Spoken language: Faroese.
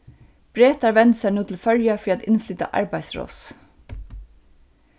bretar vendu sær nú til føroya fyri at innflyta arbeiðsross